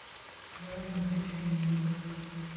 квн по кличке малыш